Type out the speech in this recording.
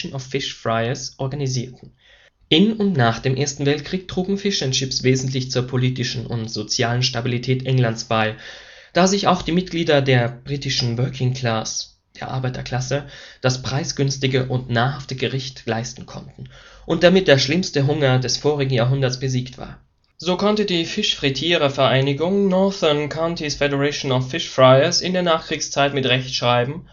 of Fish Friers organisierten. In und nach dem Ersten Weltkrieg trugen Fish’ n’ Chips wesentlich zur politischen und sozialen Stabilität Englands bei, da sich auch die Mitglieder der britischen working class (Arbeiterklasse) das preisgünstige und nahrhafte Gericht leisten konnten und damit der schlimmste Hunger des vorigen Jahrhunderts besiegt war. So konnte die Fischfrittierervereinigung Northern Counties Federation of Fish Friers in der Nachkriegszeit mit Recht schreiben